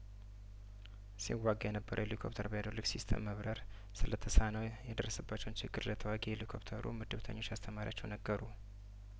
ሲዋጋ የነበረ ሂሊኮፕተር በሀይድሮሊክ ሲስተም መብረር ስለተሳነው የደረሰባቸውን ችግር የተዋጊ ሂሊኮፕተ ሩምድብ ተኞች ለአሰማሪያቸው ነገሩ